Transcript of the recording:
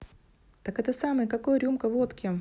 так это самый какой рюмка водки